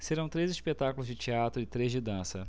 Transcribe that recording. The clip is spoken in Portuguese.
serão três espetáculos de teatro e três de dança